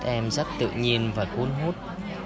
em rất tự nhiên và cuốn hút